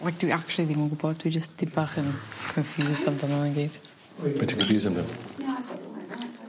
We- dwi actually ddim yn gwbod dwi jyst chdig bach yn confused amdano fo i gyd. Be' ti'n confused amdan?